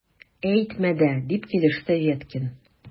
Әйтмә дә! - дип килеште Веткин.